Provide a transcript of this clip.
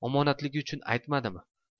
omonatligi uchun aytmadimikan